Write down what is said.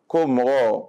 Ko mɔgɔ